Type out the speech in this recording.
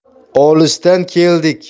olisdan keldik